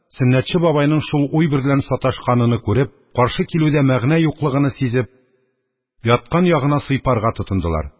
Сөннәтче бабайның шул уй берлән саташканыны күреп, каршы килүдә мәгънә юклыгыны сизеп, яткан ягына сыйпарга тотындылар.